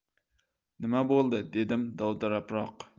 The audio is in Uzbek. nima bo'ldi dedim dovdirabroq